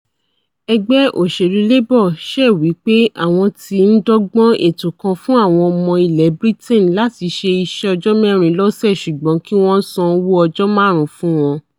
Ẹgbẹ́ òṣèlú Labour ṣẹ wí pé́ àwọn ti ńdọ́gbọ́n ètò kan fun àwọn ọmọ ilẹ̀ Britain láti ṣe iṣẹ́ ọjọ́ mẹ́rin lọ́sẹ̵̀ ṣùgbọn kí wọ́n san owó ọjọ́ máàrún fún wọn